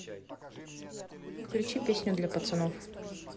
включи песню для пацанов